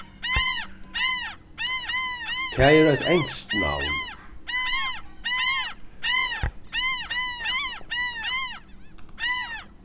tað er eitt enskt navn